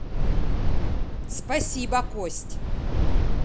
спасибо кость